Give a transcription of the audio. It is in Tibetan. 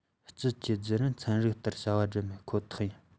དཀྱིལ གྱི བརྒྱུད རིམ ཚན རིག ལྟར བྱ བ བསྒྲུབ མེད ཁོ ཐག ཡིན